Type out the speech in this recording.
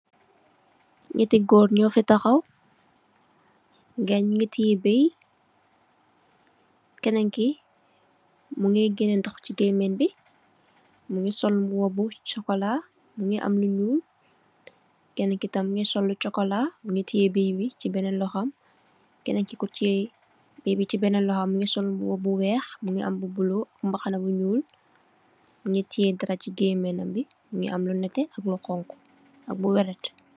Nyate goor nufe taxaw gaye nuge teye baye kenen ke muge gene nox se gemeng be muge sol muba bu chukola muge am lu nuul keneke tam muge sol lu chukola muge teye baye be che benen lohom keneke ku teye baye be che benen lohom muge sol muba bu weex muge am bu bulo mbaxana bu nuul muge teye dara che gemenyam be muge am lu neteh ak lu xonxo ak bu werte.